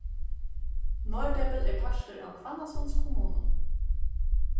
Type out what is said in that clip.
norðdepil er partur av hvannasunds kommunu